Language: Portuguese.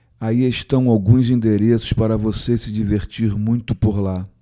aí estão alguns endereços para você se divertir muito por lá